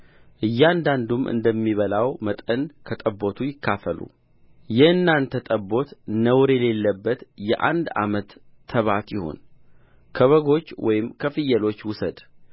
እያንዳንዱም እንደሚበላው መጠን ከጠቦቱ ይካፈሉ የእናንተ ጠቦት ነውር የሌለበት የአንድ ዓመት ተባት ይሁን ከበጎች ወይም ከፍየሎች ውሰድ